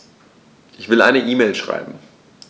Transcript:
Ich will eine E-Mail schreiben.